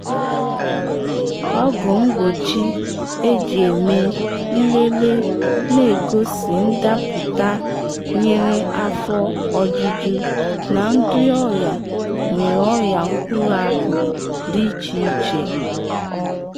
Ọgwụ mgbochi eji eme nlele na-egosi ndapụta nyere afọ ojuju na ndị ọrịa nwere ọrịa mkpụrụ akụ dị iche iche.